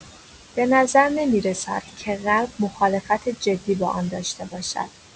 به نظر نمی‌رسد که غرب مخالفت جدی با آن داشته باشد.